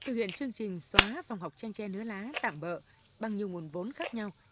thực hiện chương trình xóa phòng học tranh tre nứa lá tạm bợ bằng nhiều nguồn vốn khác nhau